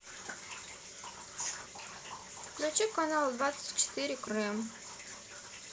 включи канал двадцать четыре крым